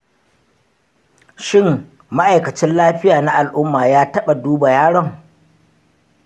shin ma’aikacin lafiya na al’umma ya taɓa duba yaron?